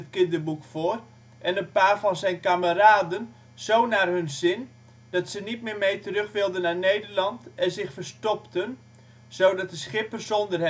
kinderboek voor) en een paar van zijn kameraden zo naar hun zin, dat ze niet mee terug wilden naar Nederland en zich verstopten, zodat de schipper zonder